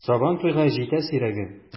Сабан туйга җитә сирәге!